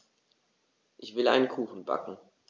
Ich will einen Kuchen backen.